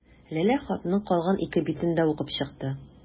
Ләлә хатның калган ике битен дә укып чыкты.